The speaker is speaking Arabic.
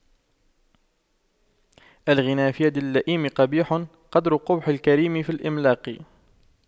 الغنى في يد اللئيم قبيح قدر قبح الكريم في الإملاق